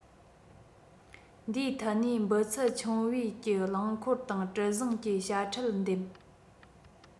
འདིའི ཐད ནས འབུད ཚད ཆུང བའི ཀྱི རླངས འཁོར དང གྲུ གཟིངས ཀྱི དཔྱ ཁྲལ འདེམས